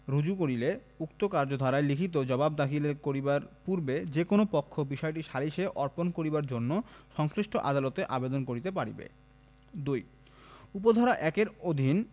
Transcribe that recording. রুজু করিলে উক্ত কার্যধারায় লিখিত জবাব দাখিল করিবার পূর্বে যে কোন পক্ষ বিষয়টি সালিসে অর্পণ করিবার জন্য সংশ্লিষ্ট আদালতে আবেদন করিতে পারিবে ২ উপ ধারা ১ এর অধীন